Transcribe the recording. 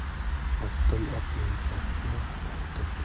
otdan otning chopishi ortiq